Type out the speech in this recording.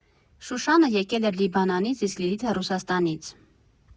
Շուշանը եկել էր Լիբանանից, իսկ Լիլիթը՝ Ռուսաստանից։